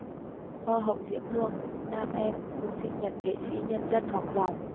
hoa hậu diễm hương nam em mừng sinh nhật nghệ sỹ nhân dân ngọc giàu